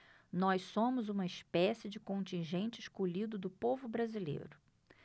nós somos uma espécie de contingente escolhido do povo brasileiro